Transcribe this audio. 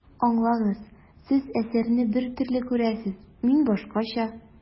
Аңлагыз, Сез әсәрне бер төрле күрәсез, мин башкача.